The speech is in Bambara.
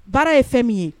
Baara ye fɛn min ye